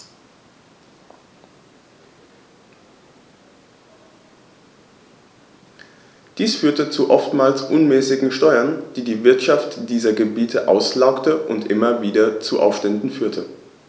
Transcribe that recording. Dies führte zu oftmals unmäßigen Steuern, die die Wirtschaft dieser Gebiete auslaugte und immer wieder zu Aufständen führte.